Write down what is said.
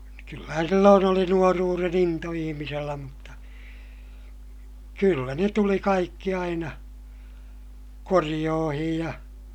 kyllähän silloin oli nuoruuden into ihmisellä mutta kyllä ne tuli kaikki aina korjuihin ja